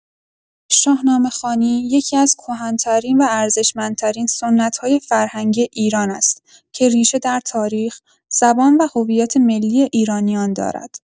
شاهنامه‌خوانی یکی‌از کهن‌ترین و ارزشمندترین سنت‌های فرهنگی ایران است که ریشه در تاریخ، زبان و هویت ملی ایرانیان دارد.